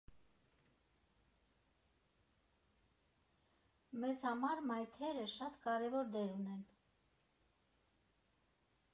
Մեզ համար մայթերը շատ կարևոր դեր ունեն։